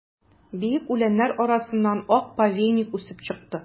Биек үләннәр арасыннан ак повейник үсеп чыкты.